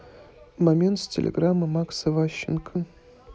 момент с телеграмма макса ващенко